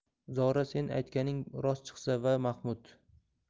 zora sen aytganing rost chiqsa ya mahmud